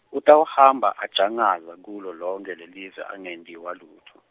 Utawuhamba ajangaza kulo lonkhe lelive angentiwa lutfo.